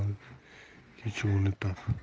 avval kechuvini top